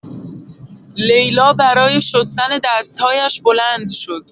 لیلا برای شستن دست‌هایش بلند شد.